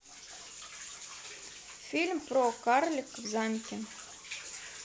фильм про карлика в замке